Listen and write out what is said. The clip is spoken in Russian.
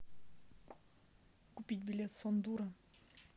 купить билет сон дура